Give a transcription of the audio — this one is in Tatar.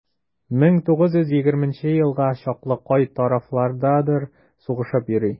1920 елга чаклы кай тарафлардадыр сугышып йөри.